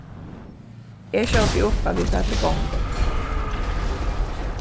eg skjóti upp at vit fara til gongu